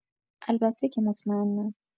البته که مطمئنم.